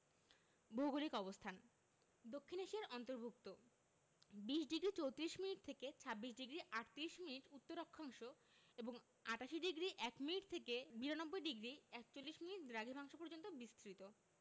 ভৌগোলিক অবস্থানঃ দক্ষিণ এশিয়ার অন্তর্ভুক্ত ২০ডিগ্রি ৩৪ মিনিট থেকে ২৬ ডিগ্রি ৩৮ মিনিট উত্তর অক্ষাংশ এবং ৮৮ ডিগ্রি ০১ মিনিট থেকে ৯২ ডিগ্রি ৪১মিনিট দ্রাঘিমাংশ পর্যন্ত বিস্তৃত